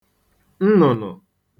nnụ̀nụ̀